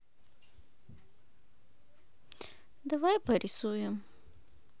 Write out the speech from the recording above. давай порисуем